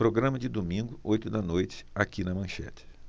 programa de domingo oito da noite aqui na manchete